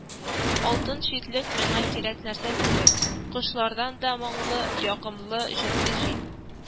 Алтын читлек миңа кирәк нәрсә түгел, Кошлардан да моңлы, ягымлы җырлый җил